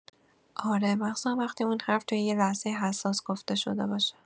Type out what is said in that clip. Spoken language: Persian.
آره، مخصوصا وقتی اون حرف توی یه لحظه حساس گفته شده باشه.